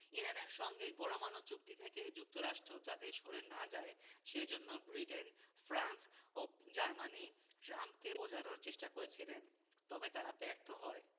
ইরানের সঙ্গে পরমাণু চুক্তি থেকে যুক্তরাষ্ট্র যাতে সরে না যায় সে জন্য ব্রিটেন ফ্রান্স ও জার্মানি ট্রাম্পকে বোঝানোর চেষ্টা করছিলেন তবে তারা ব্যর্থ হয়